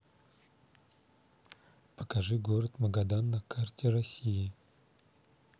покажи город магадан на карте россии